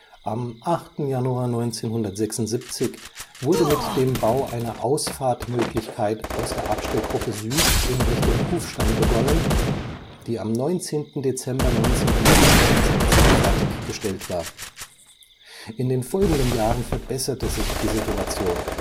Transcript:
Am 8. Januar 1976 wurde mit dem Bau einer Ausfahrtmöglichkeit aus der Abstellgruppe Süd in Richtung Kufstein begonnen, die am 19. Dezember 1977 fertiggestellt war. In den folgenden Jahren verbesserte sich die Situation